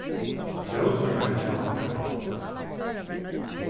rósurnar hava tað gott